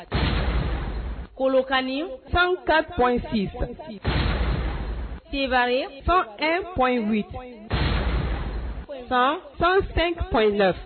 Kolonkani san ka kɔn se san e p wuli san sansen p la